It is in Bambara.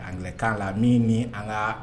An k'a la min ni an ka